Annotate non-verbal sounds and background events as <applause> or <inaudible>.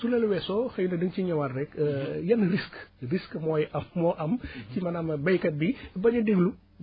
su loolu weesoo xëy na dañ siy ñëwaat rekk <hesitation> yan risques risque mooy moo am <breath> si maanaam baykat bi bañ a déglu